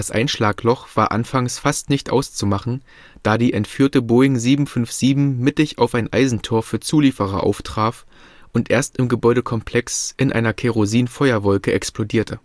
Einschlagloch war anfangs fast nicht auszumachen, da die entführte Boeing 757 mittig auf ein Eisentor für Zulieferer auftraf und erst im Gebäude-Komplex in einer Kerosin-Feuerwolke explodierte